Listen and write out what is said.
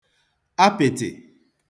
apị̀tị̀